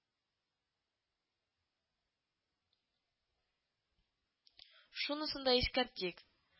Шунысын да искәртик